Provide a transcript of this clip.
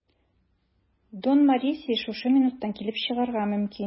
Дон Морисио шушы минутта килеп чыгарга мөмкин.